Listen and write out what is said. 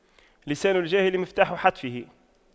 لسان الجاهل مفتاح حتفه